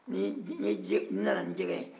ni n nana ni jɛgɛ ye